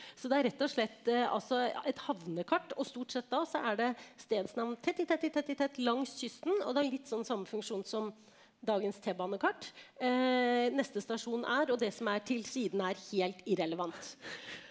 så det er rett og slett altså et havnekart og stort sett da så er det stedsnavn tett i tett i tett i tett langs kysten, og det er litt sånn samme funksjon som dagens t-bane-kart neste stasjon er, og det som er til siden er helt irrelevant.